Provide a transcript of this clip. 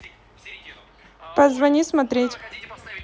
позвони смотреть